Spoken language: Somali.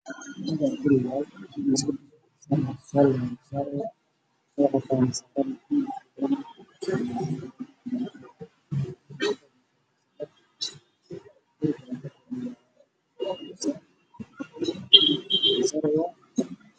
Waa soolar nin ayaa saaran ayay